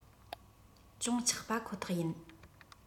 ཅུང ཆག པ ཁོ ཐག ཡིན